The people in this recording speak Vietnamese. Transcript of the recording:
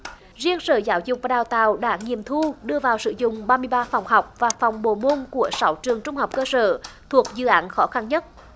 riêng sở giáo dục và đào tạo đã nghiệm thu đưa vào sử dụng ba mươi ba phòng học và phòng bộ môn của sáu trường trung học cơ sở thuộc dự án khó khăn nhất